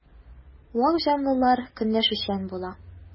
Вак җанлылар көнләшүчән була.